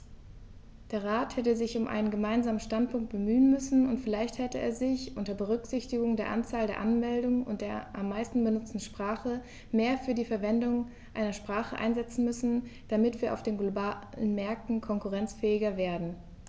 Der Rat hätte sich um einen gemeinsamen Standpunkt bemühen müssen, und vielleicht hätte er sich, unter Berücksichtigung der Anzahl der Anmeldungen und der am meisten benutzten Sprache, mehr für die Verwendung einer Sprache einsetzen müssen, damit wir auf den globalen Märkten konkurrenzfähiger werden.